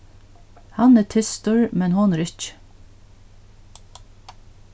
hann er tystur men hon er ikki